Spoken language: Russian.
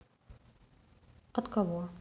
от кого